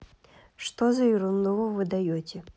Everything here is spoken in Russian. что за ерунду вы выдаете